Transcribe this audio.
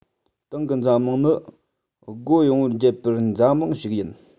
དེང གི འཛམ གླིང ནི སྒོ ཡངས པོར འབྱེད པའི འཛམ གླིང ཞིག ཡིན